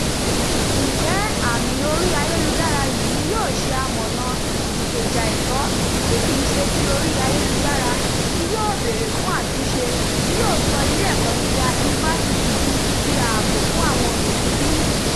Ǹjẹ́ àmì orí ayélujára yìí yóò ṣe amọ̀nàa ìgbèjà ẹ̀tọ́ tí kì í ṣe ti orí ayélujára tí yóò béèrè fún àtúnṣe tí yóò sọ ilé ẹ̀kọ́ gíga ifásitì di ibi ààbò fún àwọn obìnrin bí?